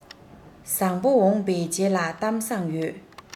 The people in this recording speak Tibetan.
བཟང པོ འོངས པའི རྗེས ལ གཏམ བཟང ཡོད